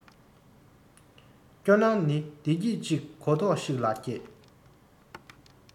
སྐྱོ སྣང ནི བདེ སྐྱིད ཅིག གོ རྟོགས ཤིག ལག སྐྱེས